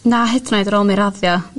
na hyd yn oed ar ôl mi raddio